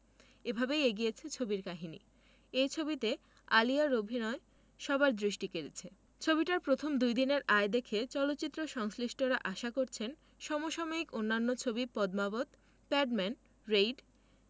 এভাবেই এগিয়েছে ছবির কাহিনী এই ছবিতে আলিয়ার অভিনয় সবার দৃষ্টি কেড়েছে ছবিটার প্রথম দুইদিনের আয় দেখে চলচ্চিত্র সংশ্লিষ্টরা আশা করছেন সম সাময়িক অন্যান্য ছবি পদ্মাবত প্যাডম্যান রেইড